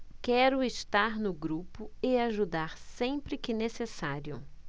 quero estar no grupo e ajudar sempre que necessário